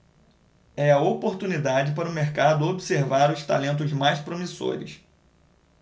é a oportunidade para o mercado observar os talentos mais promissores